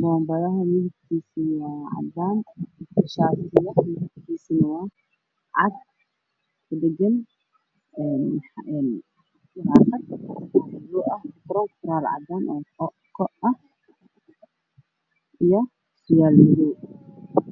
bombalaha midabkisu waa cadan shaarka midbkisuna wa cad suwal cadaan ah